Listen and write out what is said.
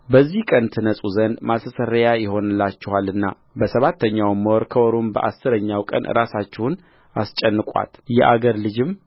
በዚህ ቀን ትነጹ ዘንድ ማስተስረያ ይሆንላችኋልና በሰባተኛው ወር ከወሩም በአስረኛው ቀን ራሳችሁን አስጨንቋት የአገር ልጅም